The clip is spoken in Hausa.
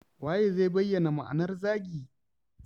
Waye zai bayyana ma'anar zagi?